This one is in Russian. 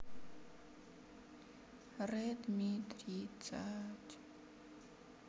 редми тридцать